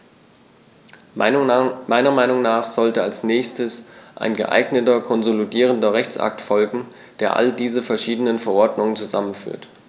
Meiner Meinung nach sollte als nächstes ein geeigneter konsolidierender Rechtsakt folgen, der all diese verschiedenen Verordnungen zusammenführt.